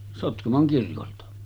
Sotkamon kirkolta